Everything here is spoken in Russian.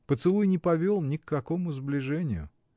Поцелуй не повел ни к какому сближению.